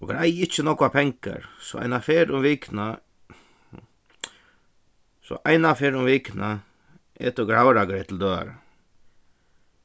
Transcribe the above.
okur eiga ikki nógvar pengar so eina ferð um vikuna so eina ferð um vikuna eta okur havragreyt til døgurða